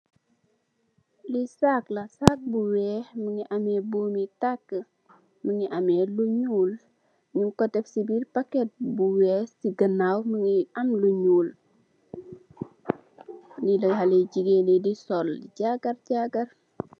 Lii saac la,...mu ngi amee buumi takkë, mu ngi amee bu ñuul, ñun ko def si biir pakket bu weex, si ganaaw, mu ngi am lu ñuul, lii la xalé yu jigéen di sol di jaagar jaagari.